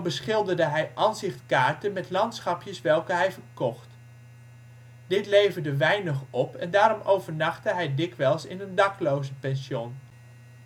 beschilderde hij ansichtkaarten met landschapjes welke hij verkocht. Dit leverde weinig op en daarom overnachtte hij dikwijls in een daklozenpension.